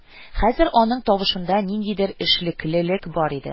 Хәзер аның тавышында ниндидер эшлеклелек бар иде